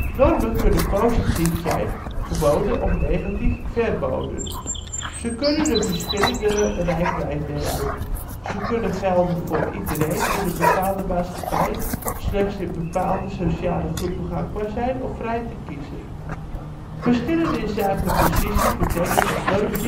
Normen kunnen positief zijn (geboden) of negatief (verboden). Ze kunnen een verschillende reikwijdte hebben: ze kunnen gelden voor iedereen in een bepaalde maatschappij, slechts in bepaalde sociale groepen gangbaar zijn of vrij te kiezen. Verschillen inzake precisie betekent dat normen